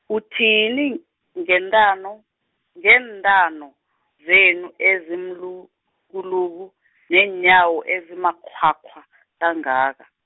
uthini ngeentamo, ngeentamo zenu ezimlukuluku neenyawo ezimakghwakghwa kangaka.